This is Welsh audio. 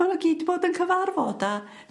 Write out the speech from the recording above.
Ma' n'w gyd 'di bod yn cyfarfod a